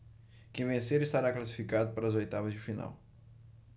quem vencer estará classificado para as oitavas de final